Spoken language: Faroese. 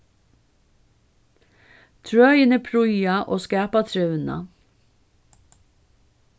trøini prýða og skapa trivnað